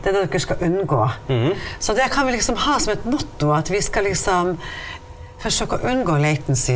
det er det dere skal unngå, så det kan vi liksom ha som et motto at vi skal liksom forsøke å unngå .